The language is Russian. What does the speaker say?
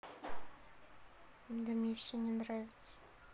да мне все не нравится